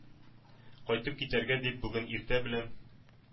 Кайтып китәргә дип бүген иртә белән